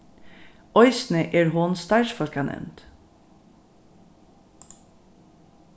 eisini er hon starvsfólkanevnd